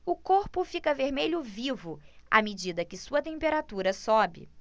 o corpo fica vermelho vivo à medida que sua temperatura sobe